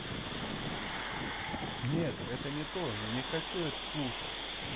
нет это не то не хочу это слушать